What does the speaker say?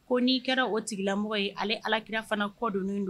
Ko ni kɛra o tigilamɔgɔ ye ale alakira fana kɔ donnen don i ma